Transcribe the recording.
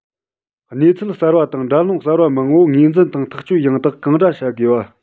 གནས ཚུལ གསར པ དང འགྲན སློང གསར པ མང པོ ངོས འཛིན དང ཐག གཅོད ཡང དག གང འདྲ བྱ དགོས པ